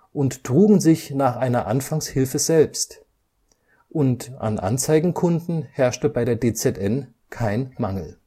und trugen sich nach einer Anfangshilfe selbst, und an Anzeigenkunden herrschte bei der DZN kein Mangel